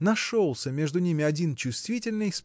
Нашелся между ними один чувствительный